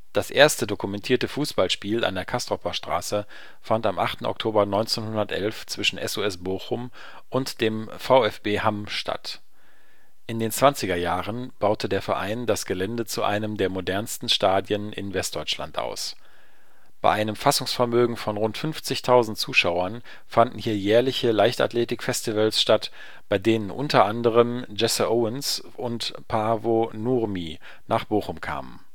Das erste dokumentierte Fußballspiel an der Castroper Straße fand am 8. Oktober 1911 zwischen SuS Bochum und dem VfB Hamm statt. In den 20er Jahren baute der Verein das Gelände zu einem der modernsten Stadien in Westdeutschland aus. Bei einem Fassungsvermögen von rund 50.000 Zuschauern fanden hier jährliche Leichtathletikfestivals statt, bei denen unter anderem Jesse Owens und Paavo Nurmi nach Bochum kamen